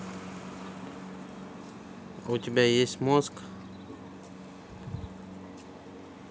а у тебя мозг есть